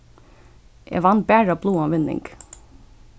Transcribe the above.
eg vann bara bláan vinning